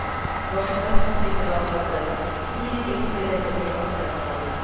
Башына сыйдыра алмады, ни дип әйтергә дә белми аптырап калды